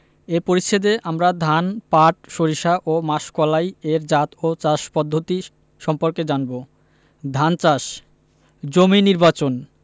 এ পরিচ্ছেদে আমরা ধান পাট সরিষা ও মাসকলাই এর জাত ও চাষ পদ্ধতি সম্পর্কে জানব ধান চাষ জমি নির্বাচন